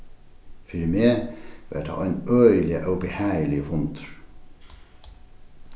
fyri meg var tað ein øgiliga óbehagiligur fundur